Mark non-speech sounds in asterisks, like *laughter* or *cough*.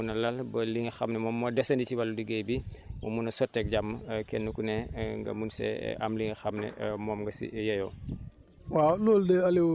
ban pexe ngeen mun a lal ba li nga xam ne moom moo desandi si wàllu liggéey bi mu mun a sotteeg jàmm kenn ku ne nga mun see am li nga xam ne moom nga si yeyoo *noise*